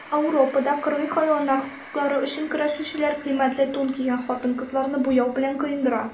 Ауропада кыргый хайваннар хокуклары өчен көрәшүчеләр кыйммәтле тун кигән хатын-кызларны буяу белән коендыра.